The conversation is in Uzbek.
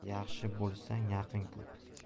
yaxshi bo'lsang yaqin ko'p